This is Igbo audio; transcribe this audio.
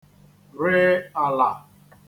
rẹ àlà